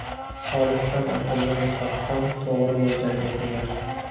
olisdan otilgan sopqon to'g'ri mo'ljalga tegar